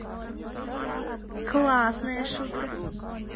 классная шутка